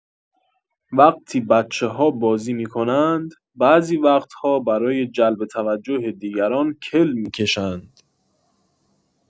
وقتی بچه‌ها بازی می‌کنند، بعضی وقت‌ها برای جلب توجه دیگران کل می‌کشند.